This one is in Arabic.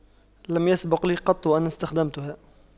لم يسبق لي قط أن استخدمتها